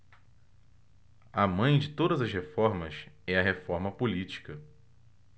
a mãe de todas as reformas é a reforma política